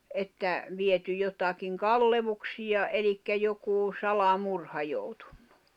että viety jotakin kalleuksia eli joku salamurha joutunut